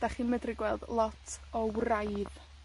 'dach chi'n medru gweld lot o wraidd.